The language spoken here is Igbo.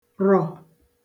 rọ̀